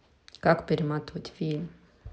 как перематывать фильмы